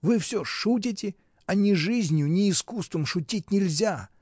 Вы всё шутите, а ни жизнью, ни искусством шутить нельзя.